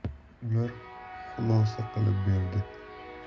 ular xulosa qilib berdi